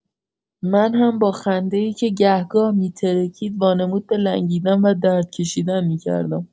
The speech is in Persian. من هم با خنده‌ای که گه‌گاه می‌ترکید وانمود به لنگیدن و درد کشیدن می‌کردم.